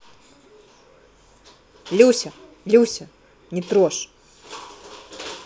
люся люся не трожь